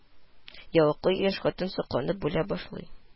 Яулыклы яшь хатын сокланып бүлә башлый